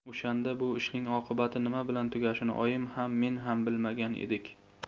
o'shanda bu ishning oqibati nima bilan tugashini oyim ham men ham bilmagan edik